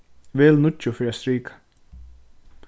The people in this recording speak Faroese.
vel níggju fyri at strika